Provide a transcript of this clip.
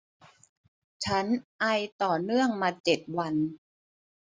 ฉันไอต่อเนื่องมาเจ็ดวัน